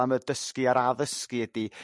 am y dysgu a'r addysgu ydy